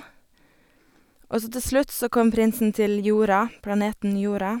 Og så til slutt så kom prinsen til jorda, planeten jorda.